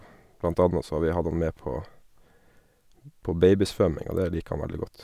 Blant anna så har vi hatt han med på på babysvømming, og det liker han veldig godt.